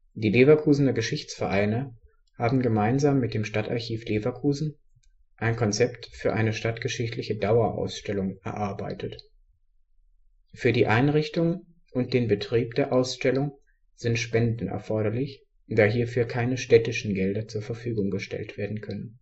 Die Leverkusener Geschichtsvereine haben gemeinsam mit dem Stadtarchiv Leverkusen ein Konzept für eine stadtgeschichtliche Dauerausstellung erarbeitet. Für die Einrichtung und der Betrieb der Ausstellung sind Spenden erforderlich, da hierfür keine städtischen Gelder zur Verfügung gestellt werden können